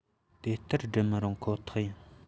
དེ ལྟར བསྒྲུབ མི རུང ཁོ ཐག ཡིན